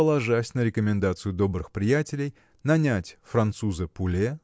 положась на рекомендацию добрых приятелей нанять француза Пуле